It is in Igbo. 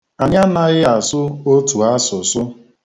Anyị anaghị asụ otu asụsụ.